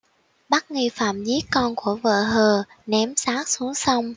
bắt nghi phạm giết con của vợ hờ ném xác xuống sông